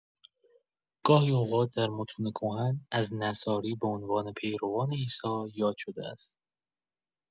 گاهی اوقات در متون کهن، از نصاری به عنوان پیروان عیسی یاد شده است.